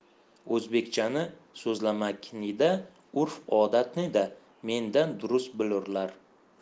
o'zbekchani so'zlamaknida urf odatnida mendan durust bilurlar